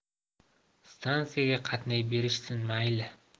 stansiyaga qatnay berishsin mayli